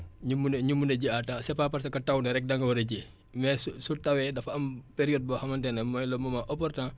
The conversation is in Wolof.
ñu mun a ñu mun a ji à temps c' est pas parce que taw na rek danga war a ji mais su su tawee dafa am période boo xamante ne mooy le moment opportun